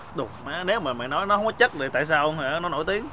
đụ má đéo mẹ mày nói nó không có chất vậy tại sao hả nó nổi tiếng